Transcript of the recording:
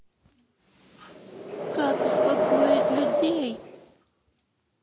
как успокоить людей